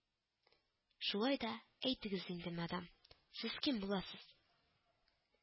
— шулай да әйтегез инде, мадам, сез кем буласыз